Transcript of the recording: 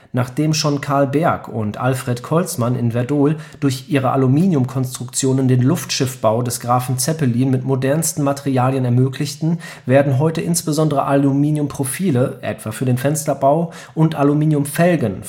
Nachdem schon Carl Berg und Alfred Colsman in Werdohl durch ihre Aluminiumkonstruktionen den Luftschiffbau des Grafen Zeppelin mit modernsten Materialien ermöglichten, werden heute insbesondere Aluminiumprofile (für beispielsweise den Fensterbau) und Aluminiumfelgen